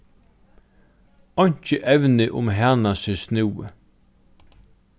einki evni um hana seg snúði